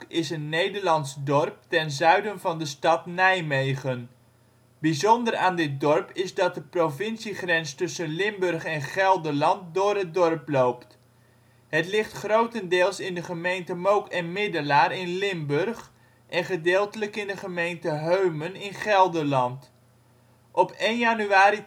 is een Nederlands dorp ten zuiden van de stad Nijmegen. Bijzonder aan dit dorp is dat de provinciegrens tussen Limburg en Gelderland door het dorp loopt: het ligt grotendeels in de gemeente Mook en Middelaar (Limburg) en gedeeltelijk in de gemeente Heumen (Gelderland). Op 1 januari 2005